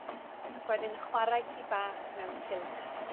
Ac wedyn chwarae tŷ bach mewn cylch.